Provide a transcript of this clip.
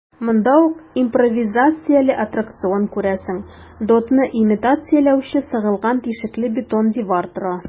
Монда ук импровизацияле аттракцион - күрәсең, дотны имитацияләүче сыгылган тишекле бетон дивар тора.